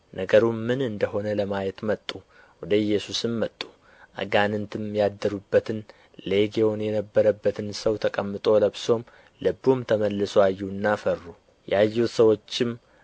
ነገሩም ምን እንደ ሆነ ለማየት መጡ ወደ ኢየሱስም መጡ አጋንንትም ያደሩበትን ሌጌዎንም የነበረበትን ሰው ተቀምጦ ለብሶም ልቡም ተመልሶ አዩና ፈሩ ያዩት ሰዎችም